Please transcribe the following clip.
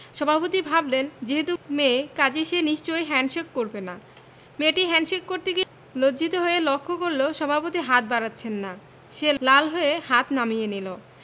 সভাপতি ভাবলেন যেহেতু মেয়ে কাজেই সে নিশ্চয়ই হ্যাণ্ডশেক করবে না মেয়েটি হ্যাণ্ডশেক করতে গিয়ে লজ্জিত হয়ে লক্ষ্য করল সভাপতি হাত বাড়াচ্ছেন না সে লাল হয়ে হাত নামিয়ে নিল